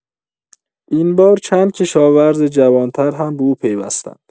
این بار چند کشاورز جوان‌تر هم به او پیوستند.